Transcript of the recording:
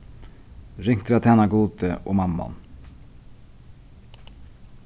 ringt er at tæna gudi og mammon